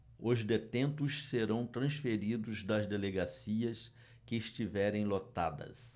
os detentos serão transferidos das delegacias que estiverem lotadas